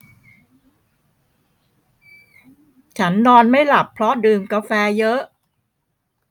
ฉันนอนไม่หลับเพราะดื่มกาแฟเยอะ